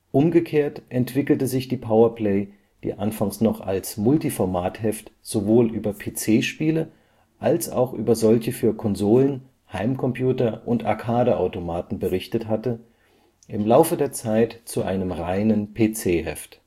Umgekehrt entwickelte sich die Power Play, die anfangs noch als Multiformatheft sowohl über PC-Spiele als auch über solche für Konsolen, Heimcomputer und Arcade-Automaten berichtet hatte, im Laufe der Zeit zu einem reinen PC-Heft